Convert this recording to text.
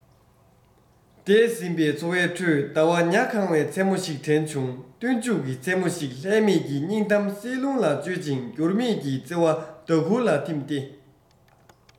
འདས ཟིན པའི འཚོ བའི ཁྲོད ཟླ བ ཉ གང བའི མཚན མོ ཞིག དྲན བྱུང སྟོན མཇུག གི མཚན མོ ཞིག ལྷད མེད ཀྱི སྙིང གཏམ བསིལ རླུང ལ བཅོལ ཅིང འགྱུར མེད ཀྱི བརྩེ བ ཟླ གུར ལ འཐིམས ཏེ